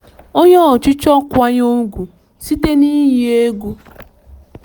Onye ọchịchọ nkwanye ùgwù site n'iyi egwu.